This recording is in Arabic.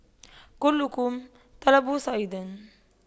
كلكم طلب صيد